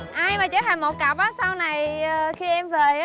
ai mà trở thành một cặp sau này khi em về